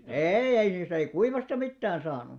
ei ei niistä ei kuivasta mitään saanut